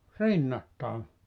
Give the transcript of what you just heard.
rinnattain